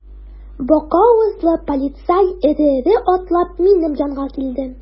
Бака авызлы полицай эре-эре атлап минем янга килде.